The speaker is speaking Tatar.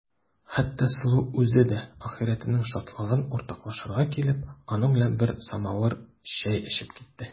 Хәтта Сылу үзе дә ахирәтенең шатлыгын уртаклашырга килеп, аның белән бер самавыр чәй эчеп китте.